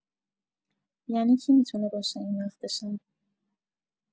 ینی کی می‌تونه باشه این وقت شب؟